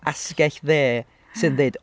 asgell dde, sy'n deud...